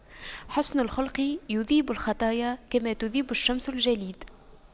حُسْنُ الخلق يذيب الخطايا كما تذيب الشمس الجليد